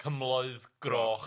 Cymloedd groch.